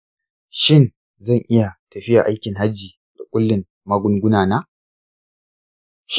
shin zan iya tafiya aikin hajji da ƙullin magunguna na?